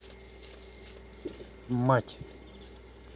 мать